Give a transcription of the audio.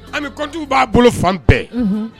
Ami comptes b'a bolo fan bɛɛ